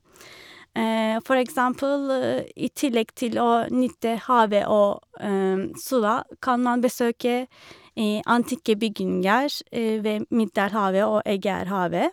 For eksempel, i tillegg til å nyte havet og sola, kan man besøke antikke bygninger ved Middelhavet og Egeerhavet.